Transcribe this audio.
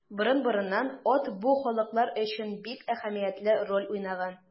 Борын-борыннан ат бу халыклар өчен бик әһәмиятле роль уйнаган.